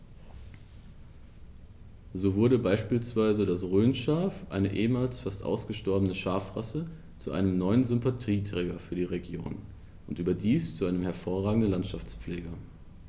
So wurde beispielsweise das Rhönschaf, eine ehemals fast ausgestorbene Schafrasse, zu einem neuen Sympathieträger für die Region – und überdies zu einem hervorragenden Landschaftspfleger.